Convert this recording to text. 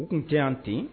O tun tɛ yan te